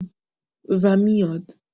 و میاد